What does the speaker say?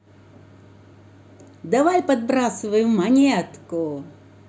давай подбрасываю монетку